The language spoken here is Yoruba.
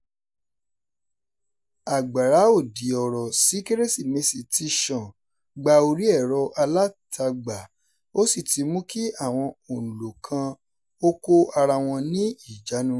Àgbàrá òdì ọ̀rọ̀ sí Kérésìmesì ti ṣàn gba orí ẹ̀rọ-alátagbà ó sì ti mú kí àwọn òǹlò kan ó kó ara wọn ní ìjánu.